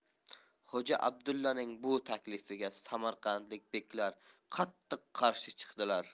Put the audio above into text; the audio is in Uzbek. xo'ja abdullaning bu taklifiga samarqandlik beklar qattiq qarshi chiqdilar